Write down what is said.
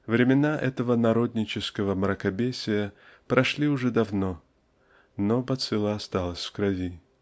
Времена этого народнического мракобесия прошли уже давно но бацилла осталась в крови.